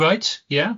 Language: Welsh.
Reit ia.